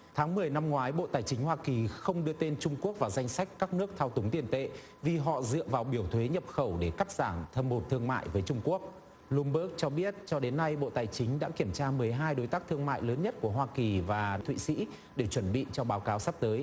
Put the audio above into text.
tháng mười năm ngoái bộ tài chính hoa kỳ không đưa tên trung quốc vào danh sách các nước thao túng tiền tệ vì họ dựa vào biểu thuế nhập khẩu để cắt giảm thâm hụt thương mại với trung quốc bờ lum bớt cho biết cho đến nay bộ tài chính đã kiểm tra mười hai đối tác thương mại lớn nhất của hoa kỳ và thụy sĩ để chuẩn bị cho báo cáo sắp tới